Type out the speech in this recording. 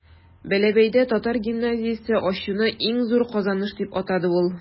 Бәләбәйдә татар гимназиясе ачуны иң зур казаныш дип атады ул.